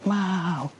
Waw.